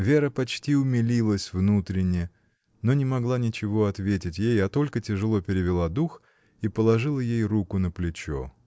Вера почти умилилась внутренно, но не смогла ничего ответить ей, а только тяжело перевела дух и положила ей руку на плечо.